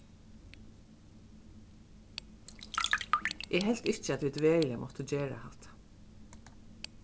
eg helt ikki at vit veruliga máttu gera hatta